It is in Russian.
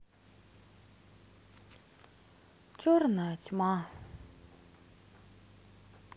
черная тьма